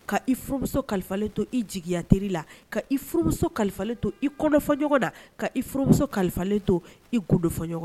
Ka imuso kalifalen to i jigiyatiri la ka i furuuso kalifalen to i kundofɔ ɲɔgɔn la ka i furumuso kalifalen to i kundo fɔ ɲɔgɔn